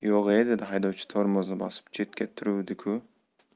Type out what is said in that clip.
yo'g'e dedi haydovchi tormozni bosib chetda turuvdi ku